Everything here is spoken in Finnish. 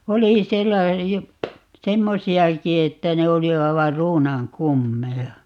no oli siellä jo semmoisiakin että ne oli aivan ruunan kummeja